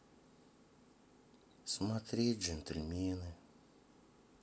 смотреть джентельмены